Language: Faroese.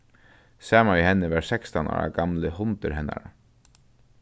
saman við henni var sekstan ára gamli hundur hennara